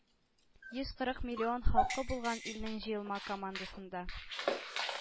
Йөз кырык миллион халкы булган илнең җыелма командасында